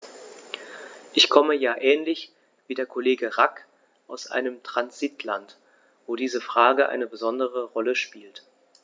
Ich komme ja ähnlich wie der Kollege Rack aus einem Transitland, wo diese Frage eine besondere Rolle spielt.